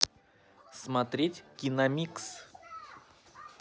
смотреть киномикс